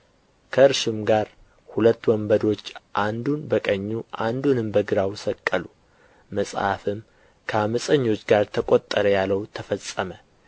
ከእርሱም ጋር ሁለት ወንበዶች አንዱን በቀኙ አንዱንም በግራው ሰቀሉ መጽሐፍም ከአመፀኞች ጋር ተቆጠረ ያለው ተፈጸመ